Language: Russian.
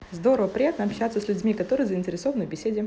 здорово приятно общаться с людьми которые заинтересованы в беседе